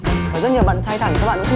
và rất nhiều bạn trai thẳng các bạn